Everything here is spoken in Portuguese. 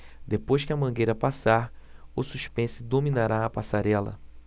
depois que a mangueira passar o suspense dominará a passarela